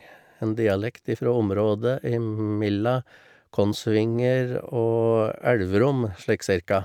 En dialekt ifra området imellom Kongsvinger og Elverum, slik cirka.